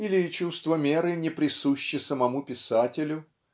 Или чувство меры не присуще самому писателю?